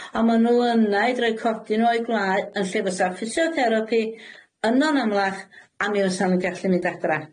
On' ma' nw yna i edru 'u codi n'w o'u gwlâu, yn lle fysa ffisiotherapi yno'n amlach, a mi fysa nw'n gallu mynd adra.